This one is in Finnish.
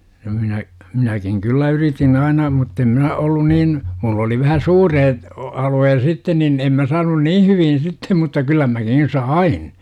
ja minä minäkin kyllä yritin aina mutta en minä ollut niin minulla oli vähän suuret alueet sitten niin en minä saanut niin hyvin sitten mutta kyllä minäkin sain